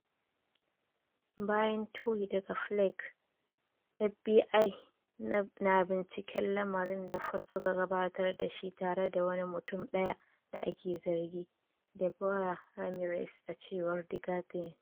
Bayan turi daga Flake, FBI na binciken lamarin da Ford suka gabatar da shi tare da wani mutum daya da ake zargi, Deborah Ramirez, a cewar The Guardian.